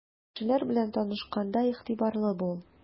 Кешеләр белән танышканда игътибарлы бул.